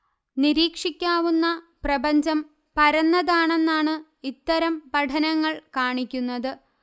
നിരീക്ഷിക്കാവുന്ന പ്രപഞ്ചം പരന്നതാണെന്നാണ് ഇത്തരം പഠനങ്ങൾ കാണിക്കുന്നത്